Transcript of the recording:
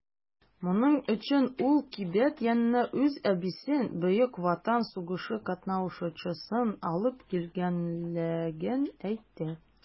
Моның өчен ул кибет янына үз әбисен - Бөек Ватан сугышы катнашучысын алып килгәнлеген әйтте.